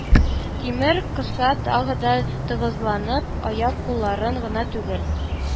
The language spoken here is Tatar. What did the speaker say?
Тимер кыса тагы да тыгызланып, аяк-кулларын гына түгел,